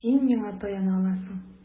Син миңа таяна аласың.